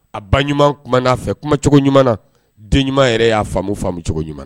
A ba ɲuman kuma'a fɛ kumacogo ɲuman na den ɲuman yɛrɛ y'a faamu faamucogo ɲuman